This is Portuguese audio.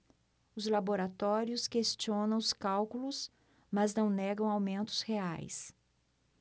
os laboratórios questionam os cálculos mas não negam aumentos reais